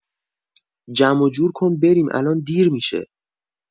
جمع‌وجور کن بریم الان دیر می‌شه